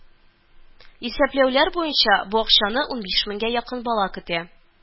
Исәпләүләр буенча, бу акчаны унбиш меңгә якын бала көтә